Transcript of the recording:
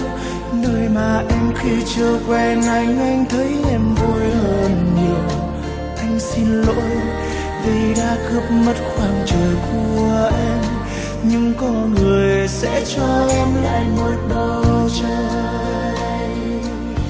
nơi mà em khi chưa quen anh anh thấy em vui hơn nhiều anh xin lỗi vì đã cướp mất khoảng trời của em nhưng có người sẽ cho em lại một bầu trời